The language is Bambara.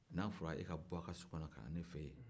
n'a fɔra e ka bɔ a ka so kɔnɔ ka na ne fɛ yen